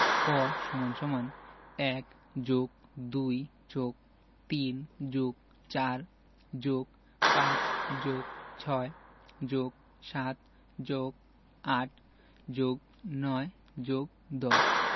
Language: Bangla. ক = ১+২+৩+৪+৫+৬+৭+৮+৯+১০